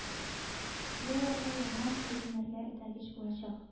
Бу аларга яңа һөҗүмнәргә этәргеч булачак